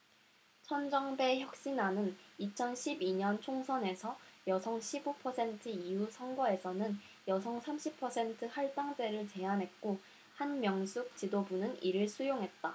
천정배 혁신안은 이천 십 이 년 총선에선 여성 십 오 퍼센트 이후 선거에서는 여성 삼십 퍼센트 할당제를 제안했고 한명숙 지도부는 이를 수용했다